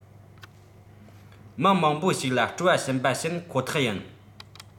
མི མང པོ ཞིག ལ སྤྲོ བ བྱིན པ བྱིན ཁོ ཐག ཡིན